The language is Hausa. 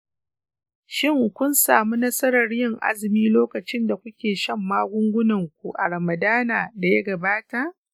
shin kun sami nasarar yin azumi lokacin da kuke shan magungunanku a ramadana da ya gabata?